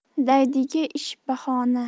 daydiga ish bahona